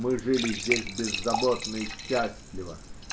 Мы жили здесь беззаботно и счастливо